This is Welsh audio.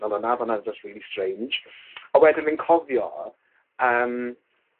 fel wnna odd wnna'n jyst rili strange. A wedyn fi'n cofio yym